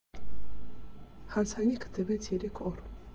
Հարսանիքը տևեց երեք օր։